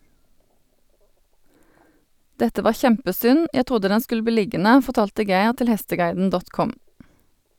- Dette var kjempesynd, jeg trodde den skulle bli liggende, fortalte Geir til hesteguiden.com.